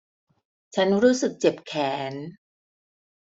ฉันรู้สึกเจ็บแขน